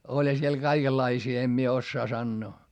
olihan siellä kaikenlaisia en minä osaa sanoa